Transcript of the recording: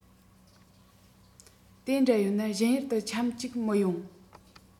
དེ འདྲ ཡོད ན གཞན ཡུལ དུ ཁྱམས བཅུག མི ཡོང